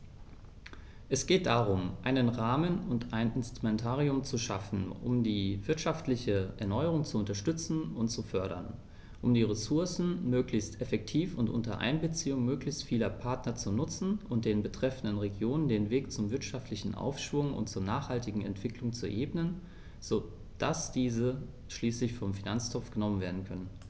Es geht darum, einen Rahmen und ein Instrumentarium zu schaffen, um die wirtschaftliche Erneuerung zu unterstützen und zu fördern, um die Ressourcen möglichst effektiv und unter Einbeziehung möglichst vieler Partner zu nutzen und den betreffenden Regionen den Weg zum wirtschaftlichen Aufschwung und zur nachhaltigen Entwicklung zu ebnen, so dass diese schließlich vom Finanztropf genommen werden können.